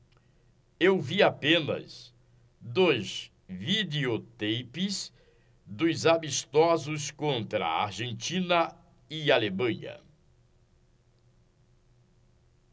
eu vi apenas dois videoteipes dos amistosos contra argentina e alemanha